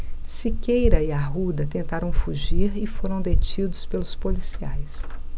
siqueira e arruda tentaram fugir e foram detidos pelos policiais